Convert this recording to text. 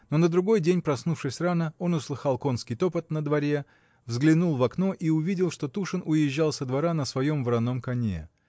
Но на другой день, проснувшись рано, он услыхал конский топот на дворе, взглянул в окно и увидел, что Тушин уезжал со двора на своем вороном коне.